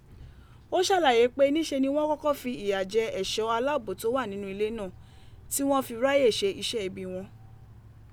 O ṣalaye pe niṣe ni wọn kọkọ fi iya jẹ ẹṣọ alaabo to wa ninu ile naa, ti wọn fi raaye ṣiṣẹ ibi wọn.